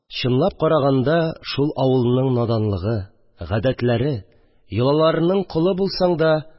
Чынлап караганда, шул авылның наданлыгы, гадәтләре, йолаларының колы булсаң да